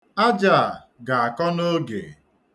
Aja a ga-akọ n'oge.